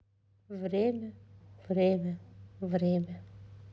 время время время